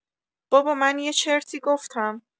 بابا من یه چرتی گفتم